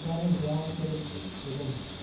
nong'a kelib edim